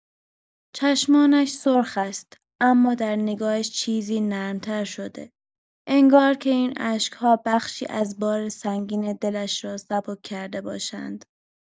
چشمانش سرخ است، اما در نگاهش چیزی نرم‌تر شده، انگار که این اشک‌ها بخشی از بار سنگین دلش را سبک کرده باشند.